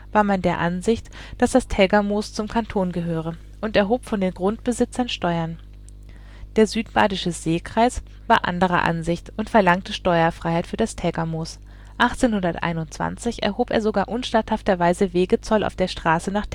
war man der Ansicht, dass das Tägermoos zum Kanton gehöre, und erhob von den Grundbesitzern Steuern. Der südbadische Seekreis war anderer Ansicht und verlangte Steuerfreiheit für das Tägermoos; 1821 erhob er sogar unstatthafterweise Wegezoll auf der Strasse nach